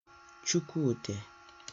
Chukwudị